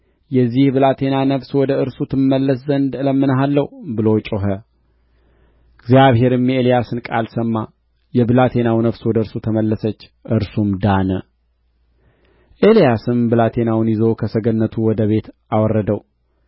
የዚህ ብላቴና ነፍስ ወደ እርሱ ትመለስ ዘንድ እለምንሃለሁ ብሎ ጮኸ እግዚአብሔርም የኤልያስን ቃል ሰማ የብላቴናው ነፍስ ወደ እርሱ ተመለሰች እርሱም ዳነ ኤልያስም ብላቴናውን ይዞ ከሰገነቱ ወደ ቤት አወረደው